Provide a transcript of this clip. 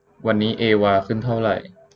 วันนี้เอวาขึ้นเท่าไหร่